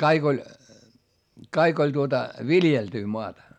kaikki oli kaikki oli tuota viljeltyä maata